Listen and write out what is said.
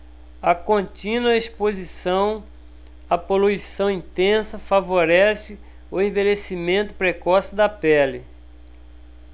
a contínua exposição à poluição intensa favorece o envelhecimento precoce da pele